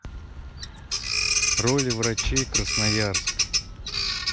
роли врачей красноярск